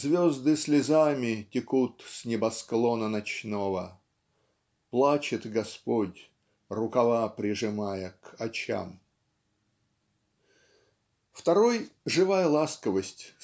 Звезды слезами текут с небосклона ночного Плачет Господь рукава прижимая к очам. Второй живая ласковость